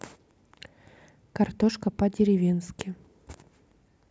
картошка по деревенски